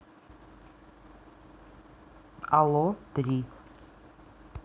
алло три